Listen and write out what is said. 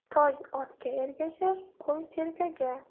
toy otga ergashar qo'y serkaga